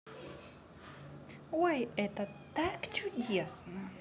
ой это так чудесно